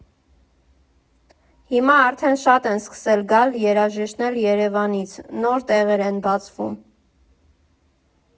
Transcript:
Հիմա արդեն շատ են սկսել գալ երաժիշտներ Երևանից, նոր տեղեր են բացվում…